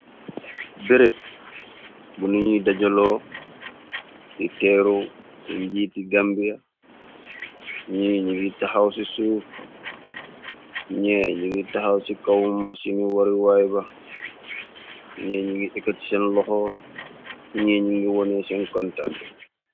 Bereb bu nañuy dajaloo di teeru njiiti gambia ñi ñi ngi taxaw ci suuf ñee ñi ngi taxaw ci kawuma sinu wari waayba ññigi eqt seen loxo ñee ñi ngi wone seen contante.